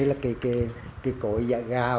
lá cây kê cây cối giã gạo